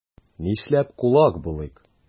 Нишләп кулак булыйк?